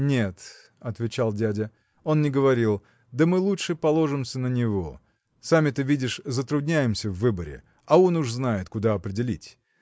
– Нет, – отвечал дядя, – он не говорил, да мы лучше положимся на него сами-то видишь затрудняемся в выборе а он уж знает куда определить.